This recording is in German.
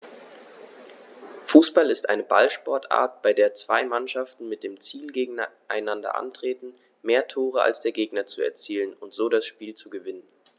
Fußball ist eine Ballsportart, bei der zwei Mannschaften mit dem Ziel gegeneinander antreten, mehr Tore als der Gegner zu erzielen und so das Spiel zu gewinnen.